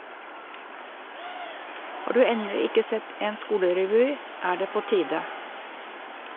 Har du ennå ikke sett en skolerevy, er det på tide.